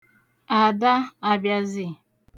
Ada abịazi?